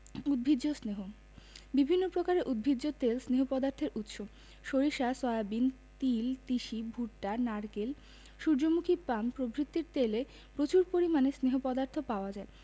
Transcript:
উদ্ভিজ্জ স্নেহ বিভিন্ন প্রকারের উদ্ভিজ তেল স্নেহ পদার্থের উৎস সরিষা সয়াবিন তিল তিসি ভুট্টা নারকেল সুর্যমুখী পাম প্রভৃতির তেলে প্রচুর পরিমাণে স্নেহ পদার্থ পাওয়া যায়